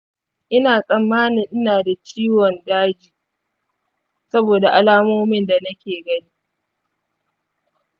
ina tsammanin ina da ciwon daji saboda alamomin da nake gani.